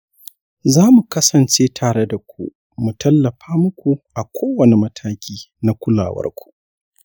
za mu kasance tare da ku mu tallafa muku a kowane mataki na kulawarku.